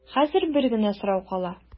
Хәзер бер генә сорау кала.